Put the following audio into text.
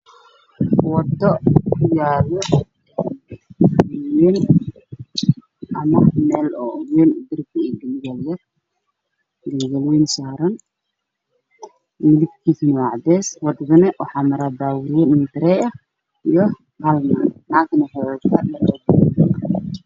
Waa meel waddo laami ah waxa sii socda gaari weyn waxaa maraayo gabar waxaa ku ogyahay darbi jaalo oo weyn albaab madow